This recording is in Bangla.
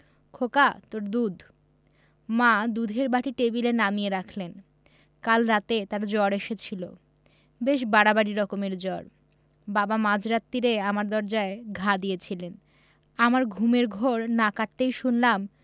খোকা তোর দুধ মা দুধের বাটি টেবিলে নামিয়ে রাখলেন কাল রাতে তার জ্বর এসেছিল বেশ বাড়াবাড়ি রকমের জ্বর বাবা মাঝ রাত্তিরে আমার দরজায় ঘা দিয়েছিলেন আমার ঘুমের ঘোর না কাটতেই শুনলাম